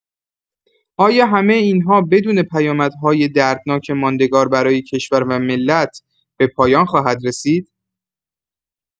آیا همه این‌ها بدون پیامدهای دردناک ماندگار برای کشور و ملت، به پایان خواهد رسید؟